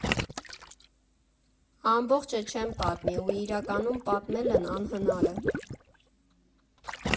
Ամբողջը չեմ պատմի, ու իրականում պատմելն անհնար է։